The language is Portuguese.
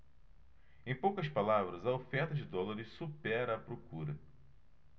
em poucas palavras a oferta de dólares supera a procura